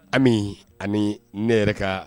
Ami ani ne yɛrɛ ka